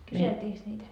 kyseltiinkös niitä